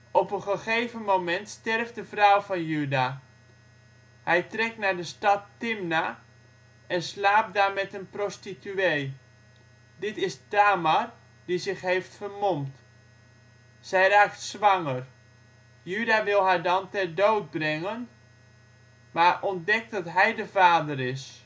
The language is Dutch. Op een gegeven sterft de vrouw van Juda. Hij trekt naar de stad Timna en slaapt daar met een prostituee. Dit is Tamar die zich heeft vermomd. Zij raakt zwanger. Juda wil haar dan ter dood brengen, maar ontdekt dat hij de vader is